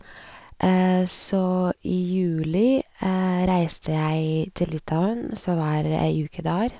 Så i juli reiste jeg til Litauen, så var ei uke der.